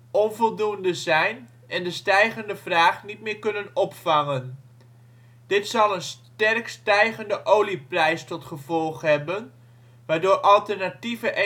onvoldoende zijn en de stijgende vraag niet meer kunnen opvangen. Dit zal dan een sterk er stijgende olieprijs tot gevolg hebben, waardoor alternatieve